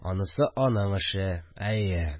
Анысы – аның эше. Әйе